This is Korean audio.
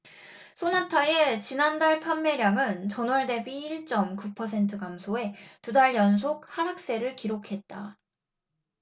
쏘나타의 지난달 판매량은 전월 대비 일 쩜 구 퍼센트 감소해 두 달 연속 하락세를 기록했다